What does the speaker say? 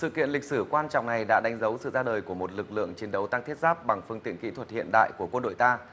sự kiện lịch sử quan trọng này đã đánh dấu sự ra đời của một lực lượng chiến đấu tăng thiết giáp bằng phương tiện kỹ thuật hiện đại của quân đội ta